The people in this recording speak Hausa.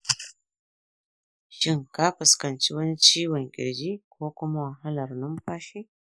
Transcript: shin ka fuskanci wani ciwon ƙirji ko kuma wahalar numfashi?